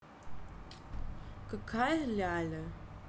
какая ляля